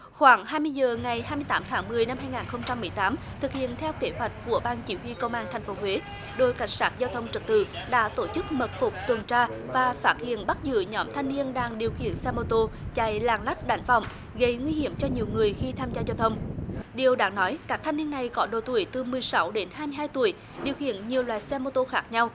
khoảng hai mươi giờ ngày hai mươi tám tháng mười năm hai nghìn không trăm mười tám thực hiện theo kế hoạch của ban chỉ huy công an thành phố huế đội cảnh sát giao thông trật tự đã tổ chức mật phục tuần tra và phát hiện bắt giữ nhóm thanh niên đang điều khiển xe mô tô chạy lạng lách đánh võng gây nguy hiểm cho nhiều người khi tham gia giao thông điều đáng nói các thanh niên này có độ tuổi từ mười sáu đến hai mươi hai tuổi điều khiển nhiều loại xe mô tô khác nhau